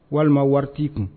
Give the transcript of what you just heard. Walima wari ti kun.